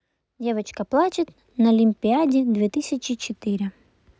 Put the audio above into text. девочка плачет на лимпиаде две тысячи четыре